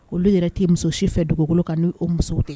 Olu yɛrɛ tɛ muso si fɛ dugukolo kan n'o'o musow